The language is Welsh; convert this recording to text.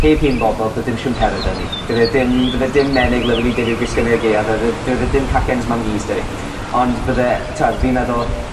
heb hen bobol bydd dim siwmpere 'da ni. Fyddai dim fydde dim menyg lyfli 'da fi i'w gwisgo yn y gaeaf a fydd dim cacens mam-gus 'da fi ond bydde t'od fi'n meddwl